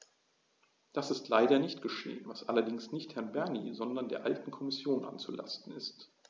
Das ist leider nicht geschehen, was allerdings nicht Herrn Bernie, sondern der alten Kommission anzulasten ist.